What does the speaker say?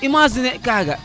imaginer i kaga